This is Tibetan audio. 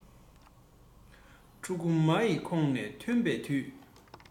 ཕྲུ གུ མ ཡི ཁོག ནས ཐོན པའི དུས